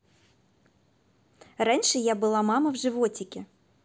раньше я была мама в животике